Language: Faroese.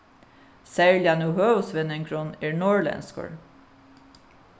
serliga nú høvuðsvinningurin er norðurlendskur